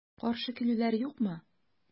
Каршы килүләр юкмы?